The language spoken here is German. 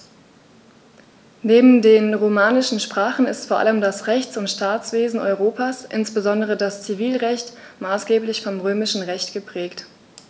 Neben den romanischen Sprachen ist vor allem das Rechts- und Staatswesen Europas, insbesondere das Zivilrecht, maßgeblich vom Römischen Recht geprägt.